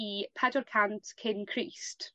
i pedwar cant cyn Crist.